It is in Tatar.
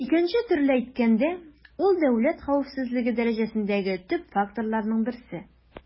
Икенче төрле әйткәндә, ул дәүләт хәвефсезлеге дәрәҗәсендәге төп факторларның берсе.